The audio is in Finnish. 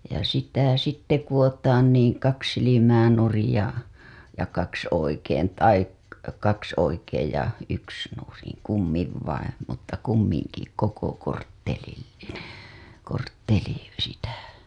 ja sitä sitten kudotaan niin kaksi silmää nurin ja ja kaksi oikein tai kaksi oikein ja yksi nurin kummin vain mutta kumminkin koko korttelillinen kortteli sitä